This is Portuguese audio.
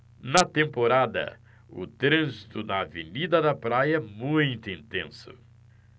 na temporada o trânsito na avenida da praia é muito intenso